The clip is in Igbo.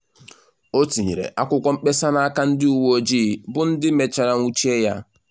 O tinyere akwụkwọ mkpesa n'aka ndị uwe ojii bụ ndị mechara nwụchịa ya.